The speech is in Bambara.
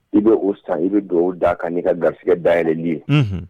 I bɛ uu san i bɛ dugawu u d' kan n'i ka garisɛgɛ day yɛlɛli ye